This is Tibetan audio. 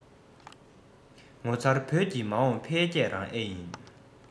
ངོ མཚར བོད ཀྱི མ འོངས འཕེལ རྒྱས རང ཨེ ཡིན